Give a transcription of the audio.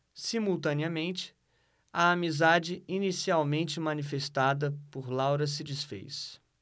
simultaneamente a amizade inicialmente manifestada por laura se disfez